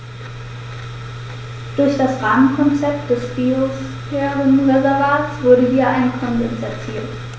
Durch das Rahmenkonzept des Biosphärenreservates wurde hier ein Konsens erzielt.